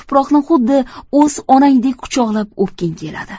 tuproqni xuddi o'z onangdek quchoqlab o'pging keladi